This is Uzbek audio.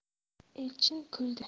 elchin kuldi